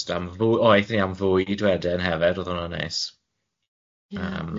Ethon ni am fwyd wedyn hefyd, o'dd hwnne'n neis.